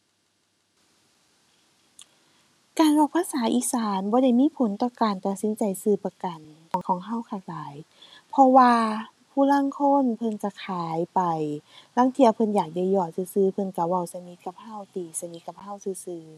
การเว้าภาษาอีสานบ่ได้มีผลกับการตัดสินใจซื้อประกันของของเราเท่าใด เพราะว่าผู้ลางคนเพิ่นจะขายไป ลางเทื่อเพิ่นอยากได้ยอดซื่อซื่อ เพิ่นเราเว้าสนิทกับเรา ตีสนิทกับเราซื่อซื่อ